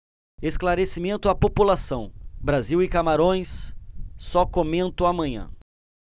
esclarecimento à população brasil e camarões só comento amanhã